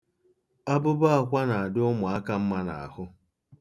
Abụbọ akwa na-adị ụmụaka mma n'ahụ.